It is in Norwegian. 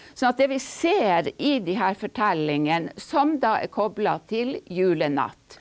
sånn at det vi ser i de her fortellingene, som da er kobla til julenatt.